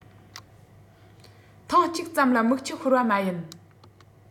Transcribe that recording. ཐེངས གཅིག ཙམ ལ མིག ཆུ ཤོར བ མ ཡིན